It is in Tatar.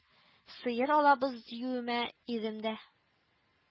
Сыер алабыз , диюемә ирем дә